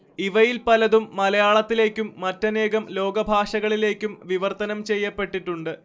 ഇവയിൽ പലതും മലയാളത്തിലേക്കും മറ്റനേകം ലോകഭാഷകളിലേക്കും വിവർത്തനം ചെയ്യപ്പെട്ടിട്ടുണ്ട്